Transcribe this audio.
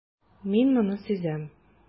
Мин моны сизәм.